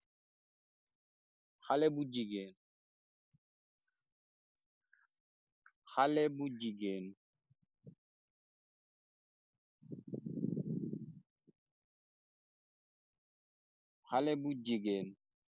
Haleh bu jigeen haleh bu jigeen haleh bu jigeen.